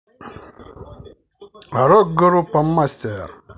рок группа мастер